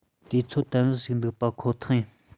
དུས ཚོད དུམ བུ ཞིག འདུག པ ཁོ ཐག ཡིན